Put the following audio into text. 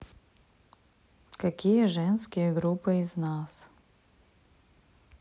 какие женские группы из нас